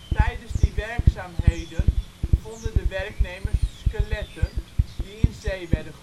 Tijdens die werkzaamheden vonden de werknemers skeletten, die in zee werden